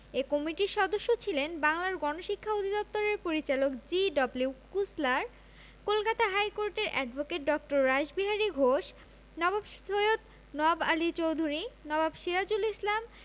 এ কমিটির সদস্য ছিলেন বাংলার গণশিক্ষা অধিদপ্তরের পরিচালক জি.ডব্লিউ কুচলার কলকাতা হাইকোর্টের অ্যাডভোকেট ড. রাসবিহারী ঘোষ নবাব সৈয়দ নওয়াব আলী চৌধুরী নবাব সিরাজুল ইসলাম